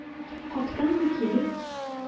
Каптыңмы килеп?